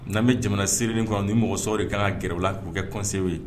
N'an bɛ jamana seere kɔnɔ ni mɔgɔ sababu de ka kan gɛrɛla' kɛ kɔnsew ye